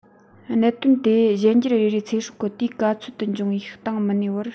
གནད དོན དེ གཞན འགྱུར རེ རེ ཚེ སྲོག གི དུས ག ཚོད དུ འབྱུང བའི སྟེང མི གནས པར